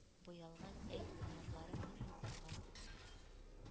Буялган, әйт, канатларың нинди канга?» —